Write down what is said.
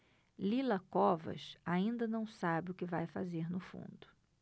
lila covas ainda não sabe o que vai fazer no fundo